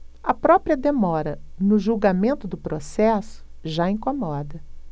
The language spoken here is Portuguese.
a própria demora no julgamento do processo já incomoda